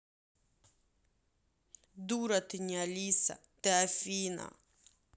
дура ты не алиса ты афина